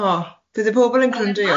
O, fydde pobl yn grando i hwn.